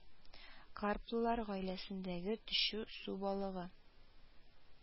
Карплылар гаиләсендәге төче су балыгы